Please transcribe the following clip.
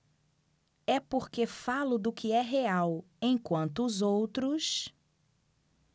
é porque falo do que é real enquanto os outros